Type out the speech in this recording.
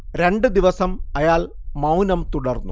രണ്ടു ദിവസം അയാൾ മൌനം തുടർന്നു